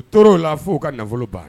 U toor'o la fo u ka nafolo ban